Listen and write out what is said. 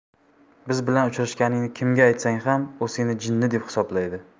biz bilan uchrashganingni kimga aytsang ham u seni jinni deb hisoblaydi